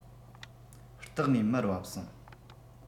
སྟེགས ནས མར བབས སོང